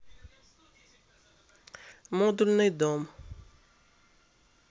модульный дом